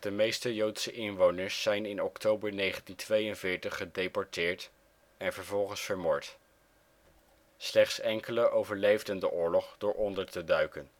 meeste joodse inwoners zijn in oktober 1942 gedeporteerd en vervolgens vermoord; slechts enkele overleefden de oorlog door onder te duiken